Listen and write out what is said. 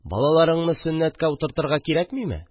Балаларыңны сөннәткә утыртырга кирәкмиме?